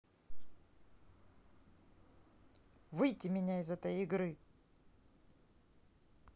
выйти меня из этой игры